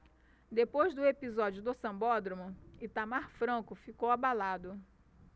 depois do episódio do sambódromo itamar franco ficou abalado